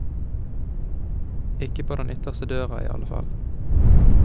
Ikke på den ytterste døra i alle fall.